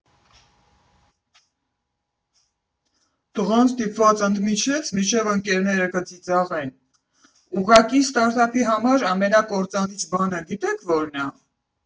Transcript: ֊ տղան ստիպված ընդմիջեց, մինչև ընկերները կծիծաղեն, ֊ ուղղակի ստարտափի համար ամենակործանիչ բանը գիտե՞ք որն ա։